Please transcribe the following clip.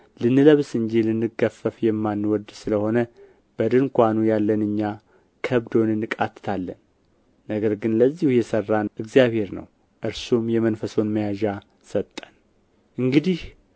ልንለብስ እንጂ ልንገፈፍ የማንወድ ስለ ሆነ በድንኳኑ ያለን እኛ ከብዶን እንቃትታለን ነገር ግን ለዚሁ የሠራን እግዚአብሔር ነው እርሱም የመንፈሱን መያዣ ሰጠን እንግዲህ